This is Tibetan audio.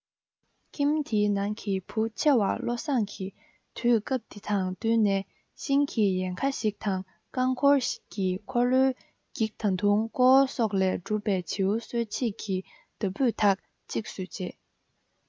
ཁྱིམ འདིའི ནང གི བུ ཆེ བ བློ བཟང གིས དུས སྐབས འདི དང བསྟུན ནས ཤིང གི ཡལ ག ཞིག དང རྐང འཁོར གྱི འཁོར ལོའི འགྱིག ད དུང ཀོ བ སོགས ལས གྲུབ པའི བྱིའུ གསོད བྱེད ཀྱི མདའ སྤུས དག ཅིག བཟོས རྗེས